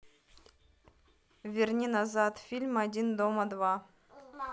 верни назад фильм один дома два